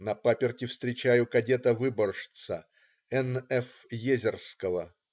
На паперти встречаю кадета-выборжца Н. Ф. Езерского.